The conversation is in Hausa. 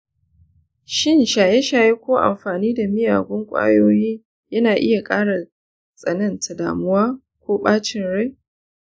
shin shaye-shaye ko amfani da miyagun ƙwayoyi yana iya ƙara tsananta damuwa ko ɓacin rai?